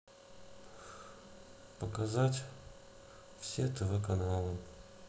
показать все тв каналы